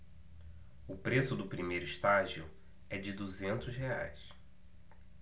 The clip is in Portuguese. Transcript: o preço do primeiro estágio é de duzentos reais